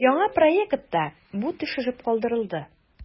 Яңа проектта бу төшереп калдырылды.